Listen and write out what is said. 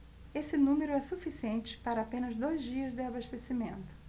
esse número é suficiente para apenas dois dias de abastecimento